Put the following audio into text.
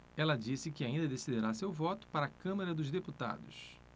ela disse que ainda decidirá seu voto para a câmara dos deputados